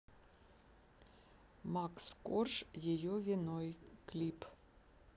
макс корж ее виной клип